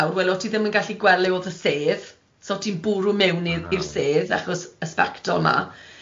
Well oti ddim yn gallu gweld le o'dd y sedd, so oti'n bwrw mewn i- i'r sedd achos y sbectol 'ma